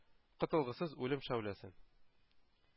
Котылгысыз үлем шәүләсен.